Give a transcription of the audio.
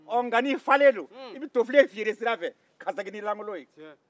nka n'i falen don i bɛ tofilen feere sira fɛ ka segin n'i lankolon ye